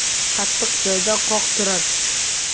qattiq joyda qoq turar